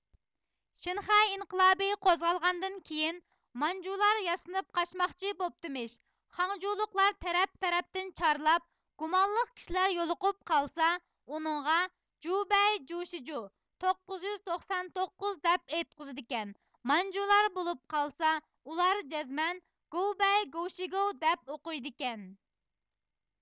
شىنخەي ئىنقىلابى قوزغالغاندىن كېيىن مانجۇلار ياسىنىپ قاچماقچى بوپتىمىش خاڭجۇلۇقلار تەرەپ تەرەپتىن چارلاپ گۇمانلىق كىشىلەر يولۇقۇپ قالسا ئۇنىڭغا جۇبەي جۇشىجۇ توققۇز يۈز توقسان توققۇز دەپ ئېيتقۇزىدىكەن مانجۇلار بولۇپ قالسا ئۇلار جەزمەن گۇۋبەي گۇۋ شىگۇۋ دەپ ئوقۇيدىكەن